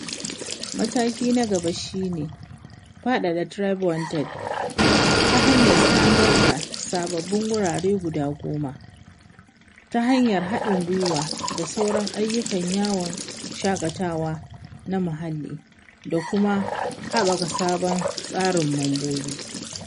Mataki na gaba shine faɗaɗa TribeWanted ta hanyar samar da sababbin wurare guda 10, ta hanyar haɗin gwiwa da sauran ayyukan yawon shaƙatawa na muhalli da kuma haɓaka sabon tsarin mambobi.